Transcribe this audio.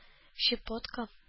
Щепотка